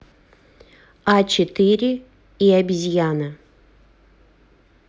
а четыре и обезьяна